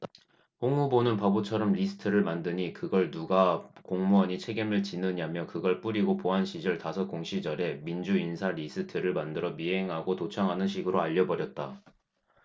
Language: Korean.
홍 후보는 바보처럼 리스트를 만드니 그걸 누가 공무원이 책임을 지느냐며 그걸 뿌리고 보안시절 다섯 공시절에 민주인사 리스트를 만들어 미행하고 도청하는 식으로 알려 버렸다